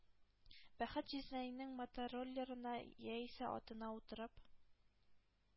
Бәхет җизнәйнең мотороллерына яисә атына утырып